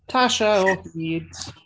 Tasha o hyd.